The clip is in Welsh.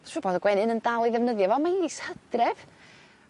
Shw bod y gwenyn yn dal i ddefnyddio fo mae mis Hydref.